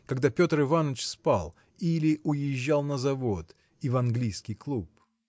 когда Петр Иваныч спал или уезжал на завод и в английский клуб.